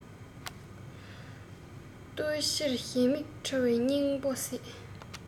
ལྟོ ཕྱིར གཞན མིག ཁྲེལ བ སྙིང པོ ཟད